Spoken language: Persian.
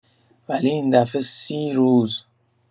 ولی این دفه سی روز!